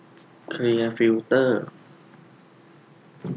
เคลียร์ฟิลเตอร์